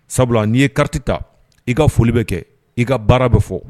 Sabula n'i ye kariti ta i ka foli bɛ kɛ i ka baara bɛ fɔ